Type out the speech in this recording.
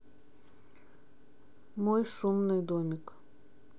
мой шумный домик